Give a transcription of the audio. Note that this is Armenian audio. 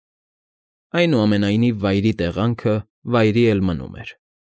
Այնուամենայնիվ վայրի տեղանքը վայրի էլ մնում էր։